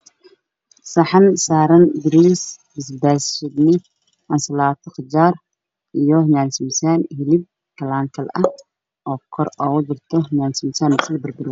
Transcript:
Saxan saaran bariis iyo basbaas